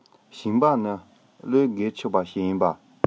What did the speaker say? ཞིང པ ནི བློས འགེལ ཆོག པ ཞིག ཡིན པ